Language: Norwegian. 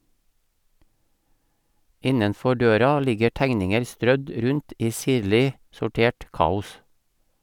Innenfor døra ligger tegninger strødd rundt i sirlig sortert kaos.